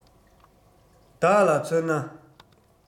བདག ལ མཚོན ན